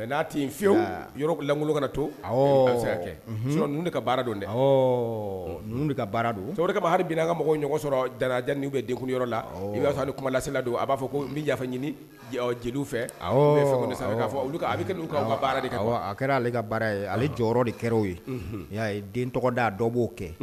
N'a tɛ fiyewulankolon ka to de ka baara don dɛ ka baara don ha binina ka mɔgɔ ɲɔgɔn sɔrɔja bɛ yɔrɔ la i'a sɔrɔ ni kumalasi don a b'a fɔ ko n bɛ yafa ɲini jeliw fɛ fɛ fɔ olu a bɛ baara de a kɛra ale ka baara ye ale jɔyɔrɔ de kɛra o ye i y'a ye den tɔgɔda dɔ b'o kɛ